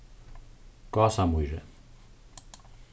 gásamýri